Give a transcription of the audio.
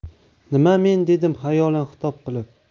nima men dedim xayolan xitob qilib